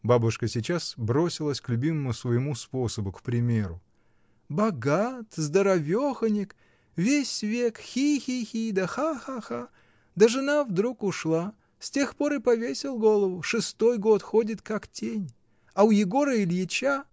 — бабушка сейчас бросилась к любимому своему способу, к примеру, — богат, здоровехонек, весь век хи-хи-хи, да ха-ха-ха, да жена вдруг ушла: с тех пор и повесил голову, — шестой год ходит, как тень. А у Егора Ильича.